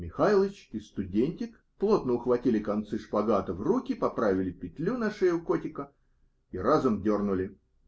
"Михайлыч" и студентик плотно ухватили концы "шпагата" в руки, поправили петлю на шее котика и разом дернули.